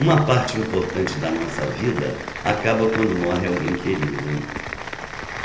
uma parte importante da nossa vida acaba quando morre alguém querido